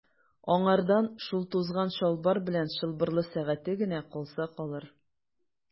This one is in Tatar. Аңардан шул тузган чалбар белән чылбырлы сәгате генә калса калыр.